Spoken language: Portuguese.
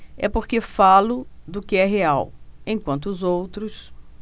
é porque falo do que é real enquanto os outros